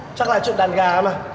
chắc là chuyện đàn gà ấy mà